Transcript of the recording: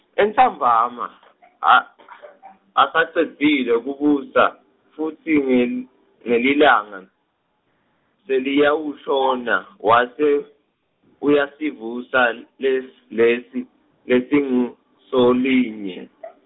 Entsambama , a- asacedzile kubusa, futsi nel- nelilanga, seliyawashona, wase, uyasivusa le- lesi, lesinguSolinye .